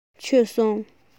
མཆོད སོང